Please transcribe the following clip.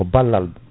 ballal